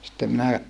sitten minä